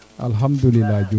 Alkhamdoulila Diouf